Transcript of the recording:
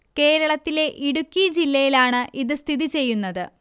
കേരളത്തിലെ ഇടുക്കി ജില്ലയിലാണ് ഇത് സ്ഥിതി ചെയ്യുന്നത്